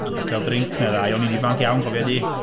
A cael drink neu ddau. O'n i'n ifanc iawn, cofia di!